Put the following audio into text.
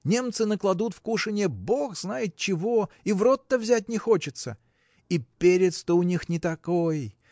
немцы накладут в кушанье бог знает чего и в рот-то взять не захочется. И перец-то у них не такой